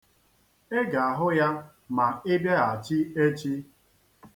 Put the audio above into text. Ị ga-ahụ ya ma ị bịaghachi echi.